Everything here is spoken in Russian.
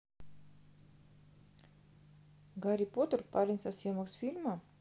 гарри потер парень со съемок фильма